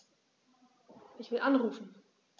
Ich will anrufen.